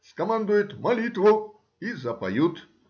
скомандует: Молитву! и запоют.